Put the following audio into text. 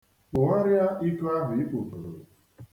Kpụgharịa iko ahụ ị kpụburu